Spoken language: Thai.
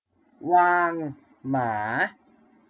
วางหมา